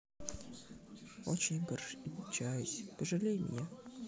очень огорчаюсь пожалей меня